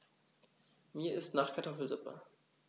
Mir ist nach Kartoffelsuppe.